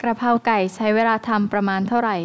กะเพราไก่ใช้เวลาทำประมาณเท่าไหร่